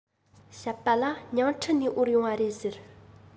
བཤད པ ལ ཉིང ཁྲི ནས དབོར ཡོང བ རེད ཟེར